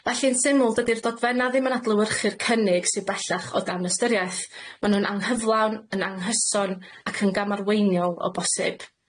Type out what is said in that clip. Felly yn syml dydi'r dogfenna' ddim yn adlewyrchu'r cynnig sy bellach o dan ystyriaeth. Ma' nw'n anghyflawn, yn anghyson, ac yn gamarweiniol o bosib.